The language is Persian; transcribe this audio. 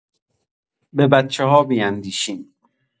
به بچه‌ها بیندیشیم.